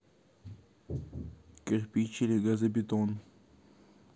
кирпич или газобетон